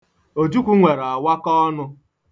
Ojukwu nwere awaka-ọnụ.